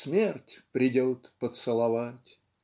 Смерть придет поцеловать.